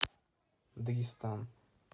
дагестан